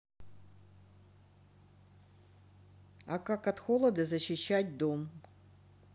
а как от холода защищать дом